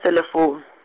selefoune.